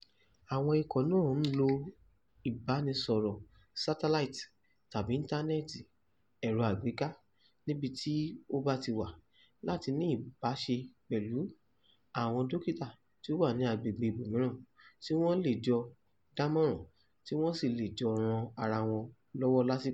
Àwọn ikọ̀ náà ń lo ìbánìsọ̀rọ̀ sátáláìtì tàbí ìńtánẹ́ẹ̀tì/ ẹ̀rọ àgbéká(níbi tií ó bá ti wà) láti ní ìbáṣe pẹ̀lú àwọn dòkítà tó wà ní agbègbè ibòmíràn, tí wọ́n a lè jọ dámọ̀ràn tí wọ́n a sì lè jọ ran ara wọn lọ́wọ́ lásikò.”